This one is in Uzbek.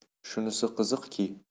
shunisi qiziqki